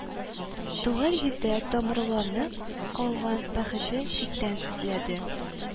Туган җирдә тамырланып калган бәхетен читтән эзләде